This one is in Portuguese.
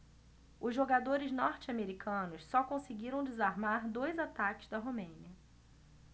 os jogadores norte-americanos só conseguiram desarmar dois ataques da romênia